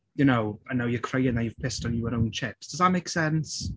You know? And now you're crying now you've pissed on your own chips. Does that make sense?